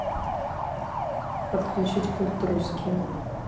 подключить пульт русский